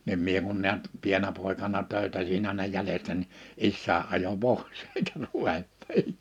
niin minä kun näet pienenä poikana töytäsin aina jäljestä niin isäni ajoi pois eikä ruvennut niin